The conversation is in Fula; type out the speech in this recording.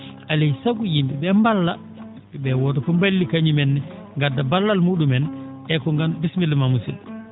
alaa e sago yim?e ?e mballa yim?e ?ee wooda ko balli kañumen ne ngadda ballal mu?umen e ko ngandu?a bisimilla ma musid?o